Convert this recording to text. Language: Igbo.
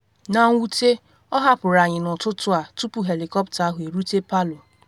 Na mwute ọ hapụrụ anyị n’ụtụtụ a tupu helikọpta ahụ erute Palu.